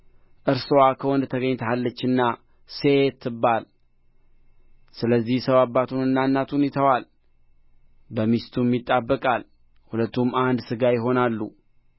እርስዋ ከወንድ ተገኝታለችና ሴት ትባል ስለዚህ ሰው አባቱንና እናቱን ይተዋል በሚስቱም ይጣበቃል ሁለቱም አንድ ሥጋ ይሆናሉ